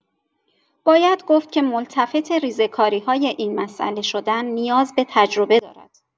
باید گفت که ملتفت ریزه‌کاری‌های این مسئله شدن نیاز به تجربه دارد.